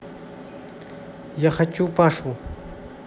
я хочу пашу